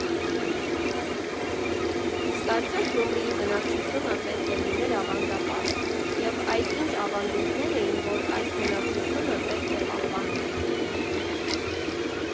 Իսկ արդյո՞ք Գյումրիի բնակչությունը պետք է լիներ ավանդապաշտ և այդ ի՞նչ ավանդույթներ էին, որ այս բնակչությունը պետք է պահպաներ։